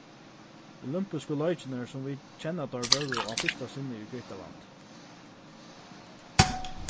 olympisku leikirnir sum vit kenna teir vóru á fyrsta sinni í grikkalandi